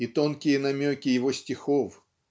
И тонкие намеки его стихов